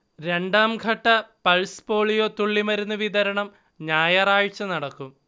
രണ്ടാംഘട്ട pulse polio തുള്ളിമരുന്ന് വിതരണം ഞായറാഴ്ച നടക്കും